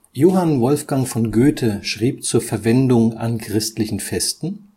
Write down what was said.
Johann Wolfgang von Goethe schrieb zur Verwendung an christlichen Festen